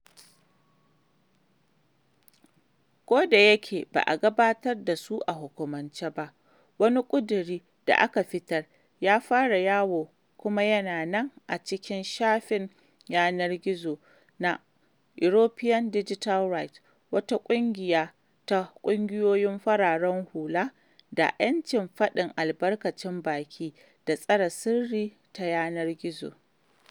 Ko da yake ba a gabatar da su a hukumance ba, wani ƙudurin da aka fitar ya fara yawo kuma yana nan a cikin shafin yanar gizo na European Digital Rights, wata ƙungiya ta ƙungiyoyin fararen hula da 'yancin faɗar albarkacin baki da tsare sirri ta yanar gizo.